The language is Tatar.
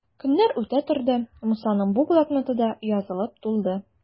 Көннәр үтә торды, Мусаның бу блокноты да язылып тулды.